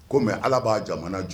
Kɔmi mɛ ala b'a jamana ju